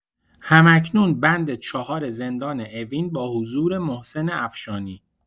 هم‌اکنون بند ۴ زندان اوین با حضور محسن افشانی